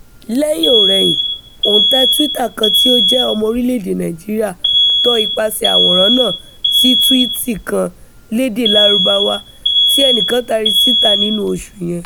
Lẹ́yìn-ò-rẹyìn, òǹlò Twitter kan tí ó jẹ́ ọmọ orílẹ̀-èdèe Nàìjíríà tọ ipasẹ̀ẹ àwòrán náà sí túwíìtì kan lédèe Lárúbáwá tí ẹnìkan tari síta nínú oṣù yẹn.